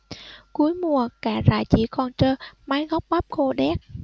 cuối mùa cả rẫy chỉ còn trơ mấy gốc bắp khô đét